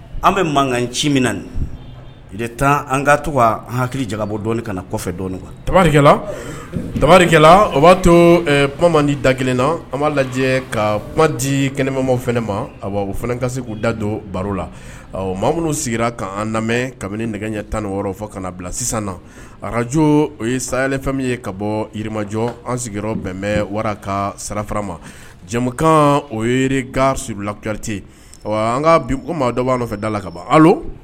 An bɛ mankan ci min na de taa an kaa to hakili jabɔ dɔn kana na kɔfɛ dɔn kan tarikɛla tamarikɛla o b'a toma di da kelen na an b'a lajɛ ka kuma di kɛnɛmama fana ma o fana ka se k'u da don baro la ma minnu sigira k'an lamɛn kabini nɛgɛ ɲɛ tan ni wɔɔrɔ fɔ ka na bila sisan na arajo o ye saya fɛn ye ka bɔ yirimajɔ an sigiyɔrɔ bɛnbɛn wara sarara ma jamakan o yiri ga sulate an ka maa dɔ b' nɔfɛ da la ka ban